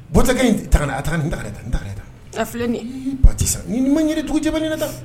Ta a taa nin da da n da da filɛ nin pa sisan ni ma ɲɛ dugu cɛin ta